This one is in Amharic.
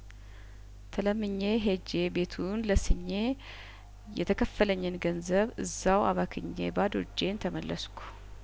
ተለምኜ ሄጄ ቤቱን ለስኜ የተከፈለኝን ገንዘብ እዛው አባክኜ ባዶ እጄን ተመለስኩ